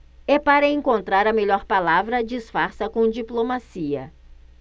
é para encontrar a melhor palavra disfarça com diplomacia